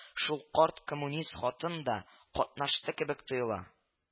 Шул карт коммунист хатын да катнашты кебек тоела